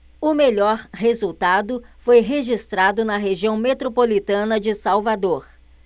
o melhor resultado foi registrado na região metropolitana de salvador